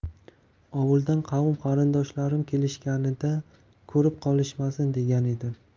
ovuldan qavm qarindoshlarim kelishganida ko'rib qolishmasin degan edim